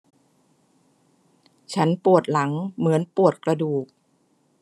ฉันปวดหลังเหมือนปวดกระดูก